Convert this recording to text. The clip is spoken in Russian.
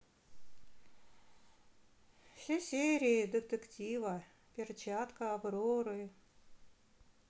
все серии детектива перчатка авроры